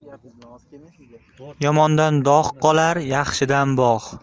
yomondan dog' qolar yaxshidan bog'